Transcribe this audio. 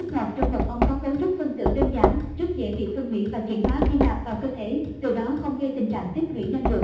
chất ngọt trong mật ong có cấu trúc phân tử đơn giản rất dễ bị phân hủy và chuyển hóa khi nạp vào cơ thể từ đó không gây tình trạng tích lũy năng lượng trong cơ thể